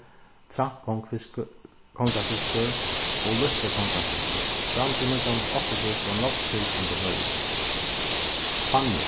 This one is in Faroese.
kongafiskur og lítli kongafiskur fram til nítjan hundrað og áttaogtrýss var nógv sild undir føroyum fámjin